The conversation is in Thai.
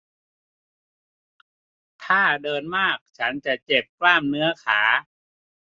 ถ้าเดินมากฉันจะเจ็บกล้ามเนื้อขา